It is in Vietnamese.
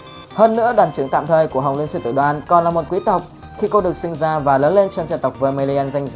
hơn nữa đoàn trưởng tạm thời của hồng liên sư tử đoàn còn là quý tộc khi cô được sinh ra và lớn lên trong gia tộc vermillion danh giá